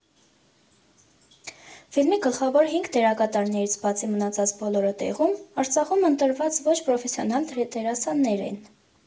Ֆիլմի գլխավոր հինգ դերակատարներից բացի մնացած բոլորը տեղում՝ Արցախում ընտրված ոչ պրոֆեսիոնալ դերասաններ են։